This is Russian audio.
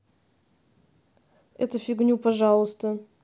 эту фигню пожалуйста